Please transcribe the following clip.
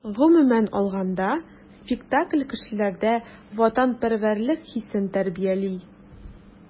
Гомумән алганда, спектакль кешеләрдә ватанпәрвәрлек хисен тәрбияли.